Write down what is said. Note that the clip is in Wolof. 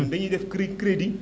ñun dañuy def cré crédit